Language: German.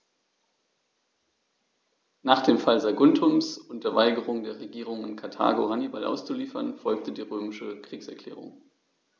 Nach dem Fall Saguntums und der Weigerung der Regierung in Karthago, Hannibal auszuliefern, folgte die römische Kriegserklärung.